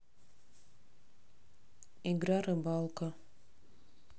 игра рыбалка